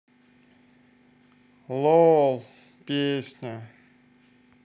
лол песня